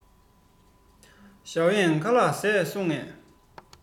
ཞའོ གཡན ཁ ལག བཟས སོང ངས